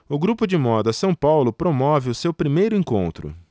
o grupo de moda são paulo promove o seu primeiro encontro